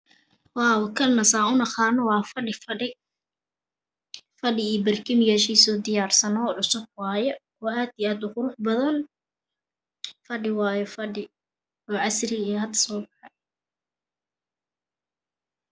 Waaw saan u naqaano kanina waa fadhi -fadhi iyo barkinyaashiisa oo diyaarsan oo cusub waaye aad u qurux badan fadhi waaye fadhi oo casri waaye oo hadda Soo baxay